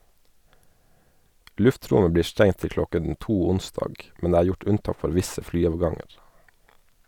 Luftrommet blir stengt til kl. 02 onsdag, men det er gjort unntak for visse flyavganger.